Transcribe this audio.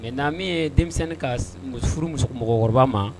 Mɛ n' ye denmisɛnninni ka furu mɔgɔkɔrɔba ma